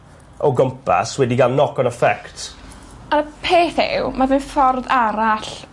o gwmpas wedi ga'l kknock on effect. Y peth yw ma' fe'n ffordd arall